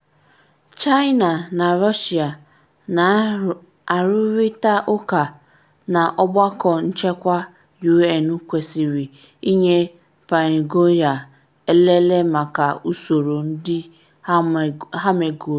China na Russia na-arụrịta ụka na Ọgbakọ Nchekwa U.N. kwesịrị inye Pyongyang elele maka usoro ndị ha megoro.